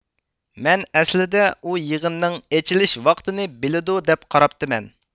مەن ئەسلىدە ئۇ يىغىننىڭ ئېچىلىش ۋاقتىنى بىلىدۇ دەپ قاراپتىمەن